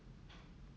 игра free fire